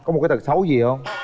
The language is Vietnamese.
có một cái tật xấu gì hông